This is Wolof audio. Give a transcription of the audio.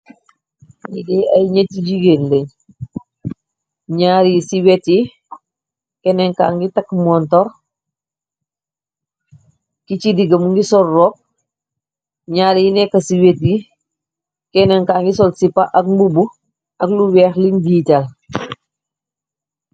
nigeey ay gñetti jigéen legñ ñaar yi ci wet yi kennenka ngi takk montor ki ci diggamu ngi sor roop ñaar yi nekka ci wet yi kennenka ngi sol sipa ak mbuub ak lu weex lin viital